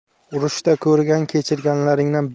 urushda ko'rgan kechirganlaringdan